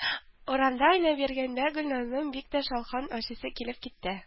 Урамда уйнап йөргәндә Гөльназның бик тә шалкан ашыйсы килеп китте